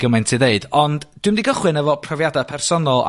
gymaint i ddeud, ond dwi'n mynd i gychwyn efo profiada personol.